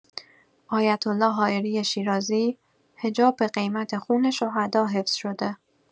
آیت‌الله حائری شیرازی: حجاب، به قیمت خون شهداء حفظ‌شده.